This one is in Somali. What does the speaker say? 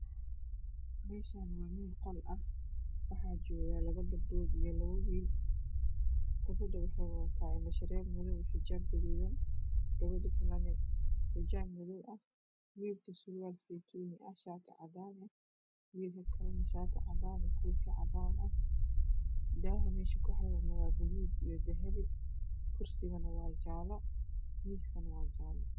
Meshaan waa meel qol ah waxayna jooga laba gabdhod iyo laba wiil gabadha waxay wadataa indhasharer madow iyo xijaab gadudan gabadha kalena xijaab madow ah wiilkana surwaal saytuuni ah iyo shaati cad wiilka kalena shaati cadaan iyo koowi cadaan ah daaha mesha ku xiran waa gadud iyo dahabi kursigana waa jaalo miiskanan waa jaalo